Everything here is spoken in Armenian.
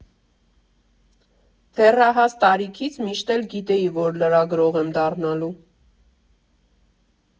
֊Դեռահաս տարիքից միշտ էլ գիտեի, որ լրագրող եմ դառնալու։